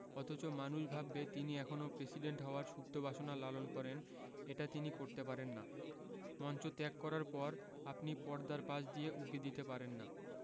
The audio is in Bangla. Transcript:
অথচ মানুষ ভাববে তিনি এখনো প্রেসিডেন্ট হওয়ার সুপ্ত বাসনা লালন করেন এটা তিনি করতে পারেন না মঞ্চ ত্যাগ করার পর আপনি পর্দার পাশ দিয়ে উঁকি দিতে পারেন না